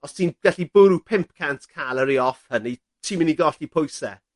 os ti'n gallu bwrw pump cant calorie off hynny, ti'n myn' i golli pwyse.